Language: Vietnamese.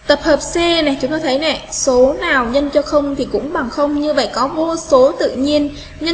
tập hợp c này cho thấy số nào nhân cho không thì cũng bằng không như vậy có vô số tự nhiên